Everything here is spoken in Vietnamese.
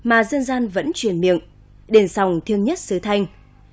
mà dân gian vẫn truyền miệng đền sòng thiêng nhất xứ thanh